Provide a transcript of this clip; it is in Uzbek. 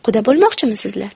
quda bo'lmoqchimisizlar